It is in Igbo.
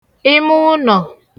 ịmụnọ